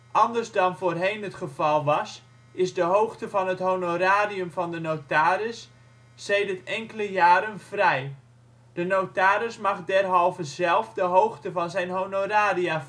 Anders dan voorheen het geval was, is de hoogte van het honorarium van de notaris sedert enkele jaren ' vrij '. De notaris mag derhalve zelf de hoogte van zijn honoraria